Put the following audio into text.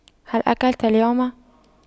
هل أكلت اليوم